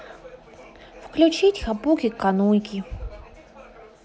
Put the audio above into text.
включить хапуки кануки